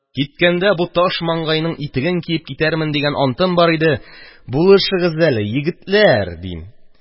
Киткәндә бу таш маңгайның итеген киеп китәрмен дигән антым бар иде, булышыгыз әле, егетләр, – дим.